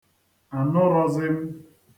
ànụrọ̄zịm̄